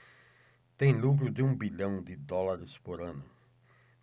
tem lucro de um bilhão de dólares por ano